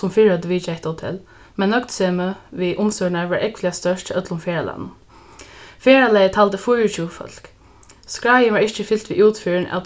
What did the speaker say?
sum fyrr høvdu vitjað hetta hotell men nøgdsemið við umstøðurnar var ógvuliga stórt hjá øllum ferðalagnum ferðalagið taldi fýraogtjúgu fólk skráin var ikki fylt við útferðum av